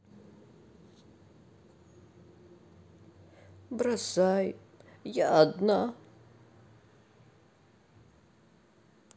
бросай я одна